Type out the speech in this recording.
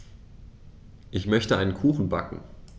Ich möchte einen Kuchen backen.